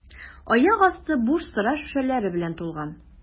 Аяк асты буш сыра шешәләре белән тулган.